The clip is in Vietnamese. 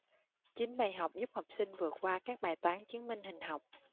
chín bài học giúp học sinh vượt qua các bài toán chứng minh hình học